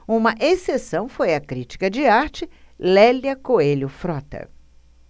uma exceção foi a crítica de arte lélia coelho frota